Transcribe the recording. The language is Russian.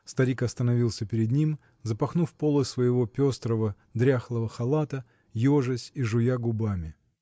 старик остановился перед ним, запахнув полы своего пестрого, дряхлого халата, ежась и жуя губами.